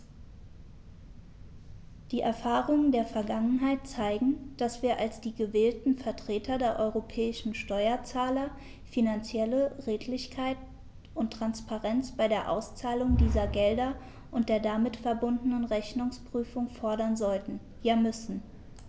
Die Erfahrungen der Vergangenheit zeigen, dass wir als die gewählten Vertreter der europäischen Steuerzahler finanzielle Redlichkeit und Transparenz bei der Auszahlung dieser Gelder und der damit verbundenen Rechnungsprüfung fordern sollten, ja müssen.